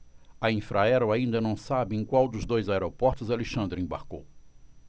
a infraero ainda não sabe em qual dos dois aeroportos alexandre embarcou